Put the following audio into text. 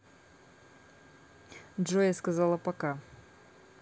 джой я сказала пока